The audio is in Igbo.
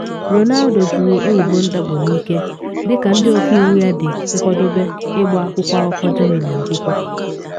Ronaldo jụrụ ebubo ndakpo n’ike dịka ndị ọka iwu ya dị nkwadobe ịgba akwụkwọ akụkọ Germany akwụkwọ